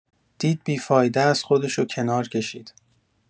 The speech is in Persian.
دید بی‌فایده اس خودشو کنار کشید.